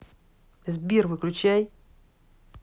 сбер выключай